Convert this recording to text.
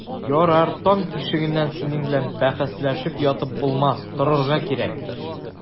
Ярар, таң тишегеннән синең белән бәхәсләшеп ятып булмас, торырга кирәк.